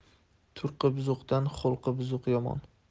turqi buzuqdan xulqi buzuq yomon